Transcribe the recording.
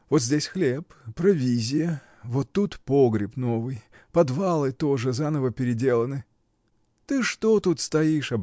Вот здесь хлеб, провизия; вот тут погреб новый, подвалы тоже заново переделаны. — Ты что тут стоишь?